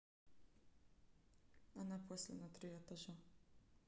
она после на три этажа